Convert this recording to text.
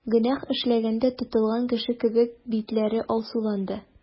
Гөнаһ эшләгәндә тотылган кеше кебек, битләре алсуланды.